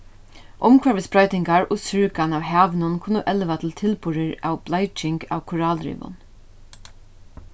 umhvørvisbroytingar og súrgan av havinum kunnu elva til tilburðir av bleiking av korallrivum